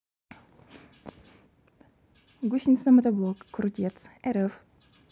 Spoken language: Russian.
гусеницы на мотоблок крутец рф